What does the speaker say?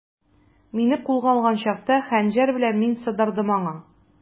Мине кулга алган чакта, хәнҗәр белән мин сыдырдым аңа.